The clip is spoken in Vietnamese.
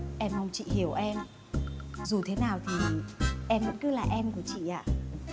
em mong chị hiểu em dù thế nào thì em vẫn cứ là em của chị ạ